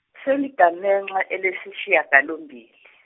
seligamenxe elesishiyagalombili.